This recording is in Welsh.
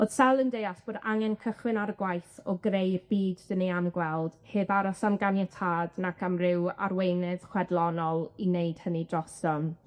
O'dd Sel yn deall bod angen cychwyn ar y gwaith o greu'r byd 'dyn ni am gweld, heb aros am ganiatâd nac am ryw arweinydd chwedlonol i wneud hynny drosom.